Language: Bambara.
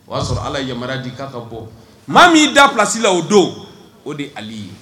O y'a sɔrɔ ala yama di' ka bɔ maa min'i da plasila o don o de ye ale ye